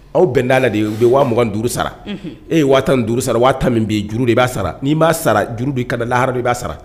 Aw bɛnda' la de ye u bɛ waɔgɔn duuru sara e ye waati tan ni duuru sara waa tan min bɛ juru de b'a sara n'i b'a sara juru' ka lahara de b'a sara